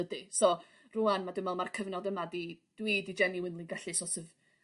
dydi? So rŵan ma' dwi me'wl ma'r cyfnod yma 'di dwi 'di genuinelygallu so't of...